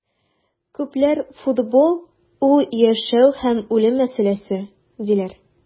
Күпләр футбол - ул яшәү һәм үлем мәсьәләсе, диләр.